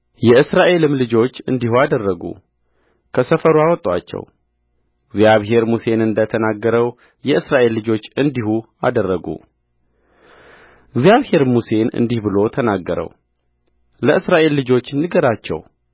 የእስራኤልም ልጆች እንዲሁ አደረጉ ከሰፈሩ አወጡአቸው እግዚአብሔር ሙሴን እንደ ተናገረው የእስራኤል ልጆች እንዲሁ አደረጉእግዚአብሔርም ሙሴን እንዲህ ብሎ ተናገረውለእስራኤል ልጆች ንገራቸው